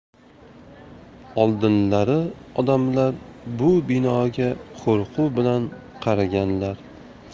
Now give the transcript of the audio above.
oldinlari odamlar bu binoga qo'rquv bilan qaraganlar